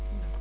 d' accord